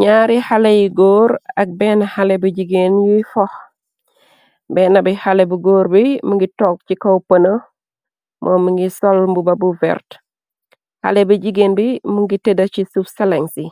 Nyaari xalé yi góor ak benn xale bi jigéen yuy fox benna bi xale bu góor bi mungi togg ci kaw pëne moom mi ngi solmbuba bu vert xale bi jigéen bi mu ngi tëda ci suf saleŋs yi